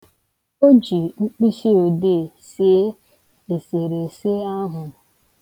O ji mkpịsịodee see esereese ahụ.